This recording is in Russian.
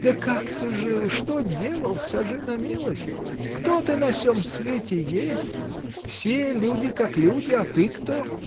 Да как ты жил, что делал, скажи на милость! Кто ты на сем свете есть? Все люди как люди. А ты — кто!